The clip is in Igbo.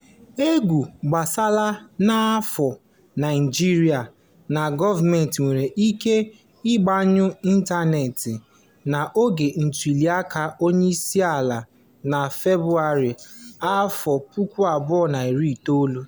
Égwù agbasaala n'ofe Naịjirịa na gọọmentị nwere ike ịgbanyụ ịntaneetị n'oge ntụliaka onyeisiala na Febụwarị 2019.